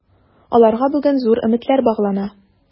Аларга бүген зур өметләр баглана.